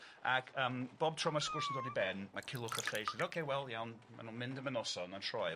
ac yym bob tro ma'r sgwrs yn dod i ben, ma' Culhwch a'r Lleill yn ocê wel iawn, ma' nw'n mynd am y noson, ma'n troi.